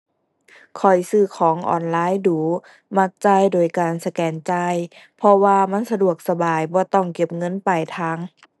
ข้อยซื้อของออนไลน์ดู๋ มักจ่ายโดยการสแกนจ่าย เพราะว่ามันสะดวกสบายบ่ต้องเก็บเงินปลายทาง